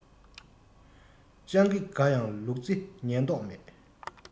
སྤྱང ཀི དགའ ཡང ལུག རྫི ཉན མདོག མེད